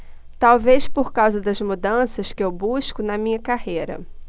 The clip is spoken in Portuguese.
talvez por causa das mudanças que eu busco na minha carreira